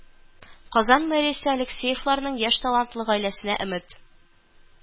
Казан мэриясе Алексеевларның яшь талантлы гаиләсенә Өмет